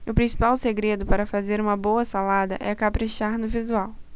o principal segredo para fazer uma boa salada é caprichar no visual